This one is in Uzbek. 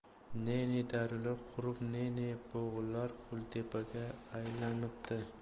ne ne daryolar qurib ne ne bog'lar kultepaga aylanibdi